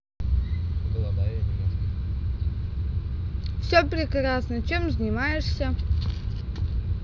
все прекрасно чем занимаешься